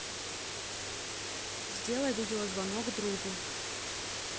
сделай видеозвонок другу